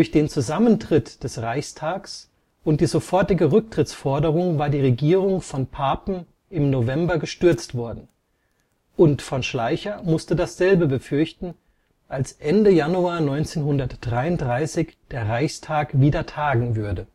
den Zusammentritt des Reichstags und die sofortige Rücktrittsforderung war die Regierung von Papen im November gestürzt worden, und von Schleicher musste dasselbe befürchten, als Ende Januar 1933 der Reichstag wieder tagen würde